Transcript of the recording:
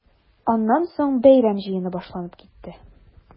Аннан соң бәйрәм җыены башланып китте.